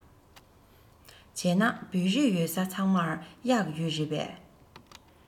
བྱས ན བོད རིགས ཡོད ས ཚང མར གཡག ཡོད རེད པས